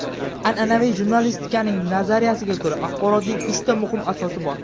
an anaviy jurnalistikaning nazariyasiga ko'ra axborotning uchta muhim asosi bor